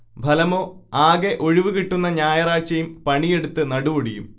ഫലമോ ആകെ ഒഴിവുകിട്ടുന്ന ഞായറാഴ്ചയും പണിയെടുത്ത് നടുവൊടിയും